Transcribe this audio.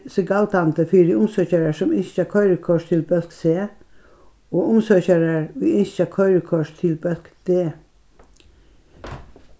seg galdandi fyri umsøkjarar sum ynskja koyrikort til bólk c og umsøkjarar ið ynskja koyrikort til bólk d